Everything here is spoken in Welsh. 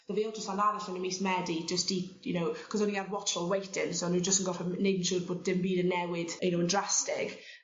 'dy fi ultrasound arall yn y mis Medi jyst i you know 'c'os o'n i ar watchful waiting so o' n'w jyst yn gorffo m- neud yn siŵr bod dim byd yn newid you know yn drastig.